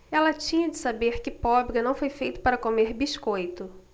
ela tinha de saber que pobre não foi feito para comer biscoito